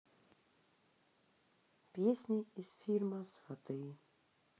песни из фильма сваты